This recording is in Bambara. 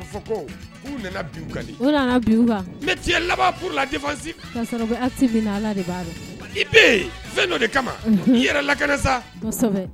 K'a fɔ ko un nana bin u kan de, u nana bin u kan , mais tu es là-bas pour la défensive kasɔrɔ u bɛ acte min na Ala de b'a dɔn, i bɛ yen fɛn dɔ de kama, i yɛrɛ lakana sa, kosɛbɛ